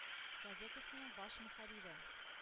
Газетасының баш мөхәррире: